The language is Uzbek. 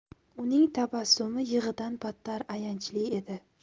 uning tabassumi yig'idan battar ayanchli edi